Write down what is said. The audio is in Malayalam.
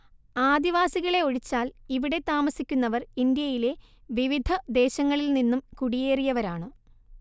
ആദിവാസികളെ ഒഴിച്ചാൽ ഇവിടെ താമസിക്കുന്നവർ ഇന്ത്യയിലെ വിവിധ ദേശങ്ങളിൽ നിന്നും കുടിയേറിയവരാണ്‌